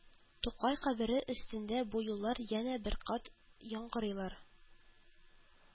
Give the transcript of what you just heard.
Тукай кабере өстендә бу юллар янә бер кат яңгырыйлар